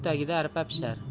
tagida arpa pishar